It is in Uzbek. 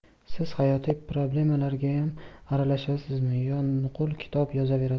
siz hayotiy problemalargayam aralashasizmi yo nuqul kitob yozaverasizmi